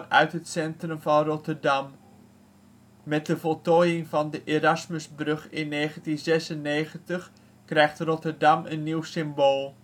uit het centrum van Rotterdam. Met de voltooiing van de Erasmusbrug in 1996 krijgt Rotterdam een nieuw symbool